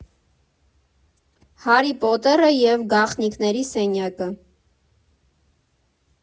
Հարի Փոթերը և Գաղտնիքների սենյակը։